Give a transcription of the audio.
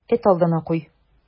Эт алдына куй.